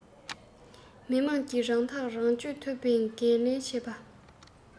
མི དམངས ཀྱིས རང ཐག རང གཅོད ཐུབ པའི འགན ལེན བྱེད པ